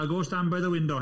I'll go stand by the window.